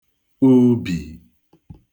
ubì